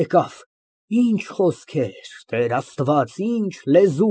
ԲԱԳՐԱՏ ֊ Քույր, ինձ թվում է, որ քո ուղեղը սկսում է խանգարվել։ Տխմար սիրո զգացումը հարբեցրել է քեզ։